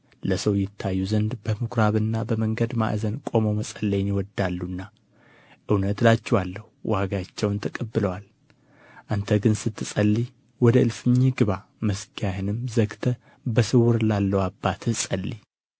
ለሰው ይታዩ ዘንድ በምኩራብና በመንገድ ማዕዘን ቆመው መጸለይን ይወዳሉና እውነት እላችኋለሁ ዋጋቸውን ተቀብለዋል አንተ ግን ስትጸልይ ወደ እልፍኝህ ግባ መዝጊያህንም ዘግተህ በስውር ላለው አባትህ ጸልይ